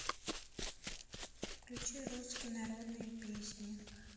включи русские народные песни